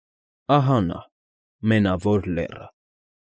Ահա նա՝ Մենավոր Լեռը։